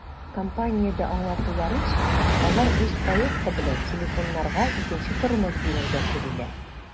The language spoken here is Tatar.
Компаниядә аңлатуларынча, алар үз проекты белән телефоннарга икенче тормыш бирергә телиләр.